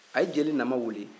a ye jeli nama wele